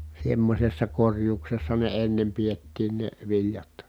semmoisessa korjuudessa ne ennen pidettiin ne viljat